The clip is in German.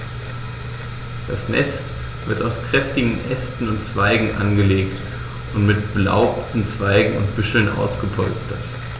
Das Nest wird aus kräftigen Ästen und Zweigen angelegt und mit belaubten Zweigen und Büscheln ausgepolstert.